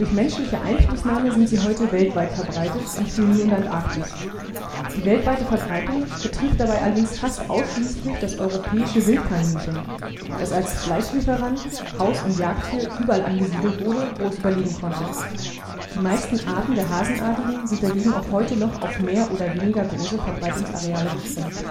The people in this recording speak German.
menschliche Einflussnahme sind sie heute weltweit verbreitet und fehlen nur in der Antarktis. Die weltweite Verbreitung betrifft dabei allerdings fast ausschließlich das europäische Wildkaninchen (Oryctolagus cuniculus), dass als Fleischlieferant, Haus - und Jagdtier überall angesiedelt wurde, wo es überleben konnte. Die meisten Arten der Hasenartigen sind dagegen auch heute noch auf mehr oder weniger große Verbreitungsareale beschränkt